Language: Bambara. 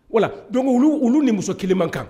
Wala don olu olu ni muso kelen man kan